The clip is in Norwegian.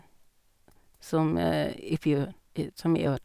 som i fjor Som i år.